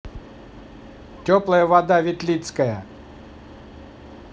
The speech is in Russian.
теплая вода ветлицкая